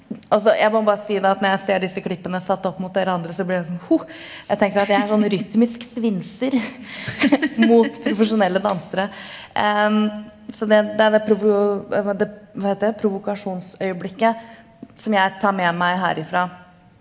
altså jeg må bare si det at når jeg ser disse klippene satt opp mot dere andre så blir jeg sånn ho, jeg tenker at jeg er sånn rytmisk svinser mot profesjonelle dansere, så det det er det hva det hva het det provokasjonsøyeblikket som jeg tar med meg herifra.